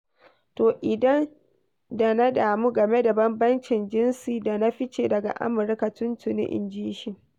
To, idan da na damu game da bambancin jinsi da na fice daga Amurka tun tuni," inji shi.